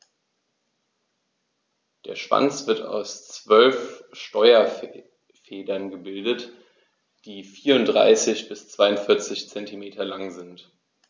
Der Schwanz wird aus 12 Steuerfedern gebildet, die 34 bis 42 cm lang sind.